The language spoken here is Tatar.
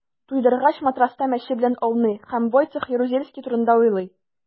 Туйдыргач, матраста мәче белән ауный һәм Войцех Ярузельский турында уйлый.